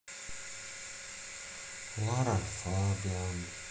лара фабиан